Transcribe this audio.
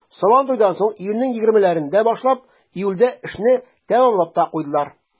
Сабантуйдан соң, июньнең 20-ләрендә башлап, июльдә эшне тәмамлап та куйдылар.